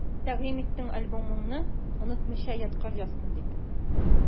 Тәкъдим иттең альбомыңны, онытмыйча ядкарь язсын дип.